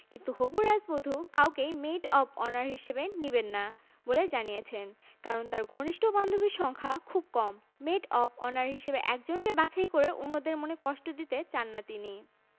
Hollywood বিনোদন সংবাদ মেগান ও হ্যারির বিয়ের সবকিছু জানতে চান আর মাত্র পাঁচ দিন এরপর ছোট পর্দা ও বড় পর্দার তারকা মেগান মার্কেল পাকাপাকিভাবে ব্রিটিশ রাজপরিবারের বধূ হবেন